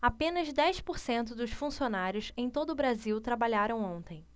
apenas dez por cento dos funcionários em todo brasil trabalharam ontem